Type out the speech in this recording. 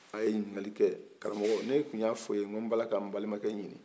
a ye ɲinikali kɛ karamɔgo ne tun y'a fɔ e ye ko n bala ka n balimankɛ ɲini